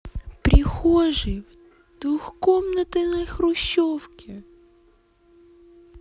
прихожие в двухкомнатной хрущевке